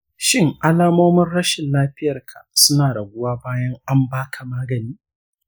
shin alamomin rashin lafiyarka suna raguwa bayan an ba ka magani?